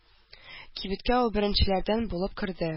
Кибеткә ул беренчеләрдән булып керде.